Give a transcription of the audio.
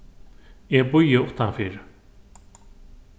eg bíði uttanfyri